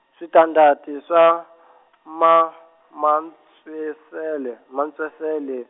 switandati swa , ma, Maantswisele, Maantswisele.